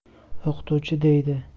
o'qituvchi deydi